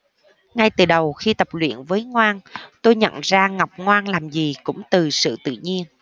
ngay từ đầu khi tập luyện với ngoan tôi nhận ra ngọc ngoan làm gì cũng từ sự tự nhiên